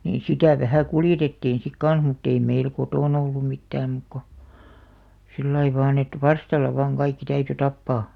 niin sitä vähän kuljetettiin sitten kanssa mutta ei meillä kotona ollut mitään muuta kuin sillä lailla vain että varstalla vain kaikki täytyi tappaa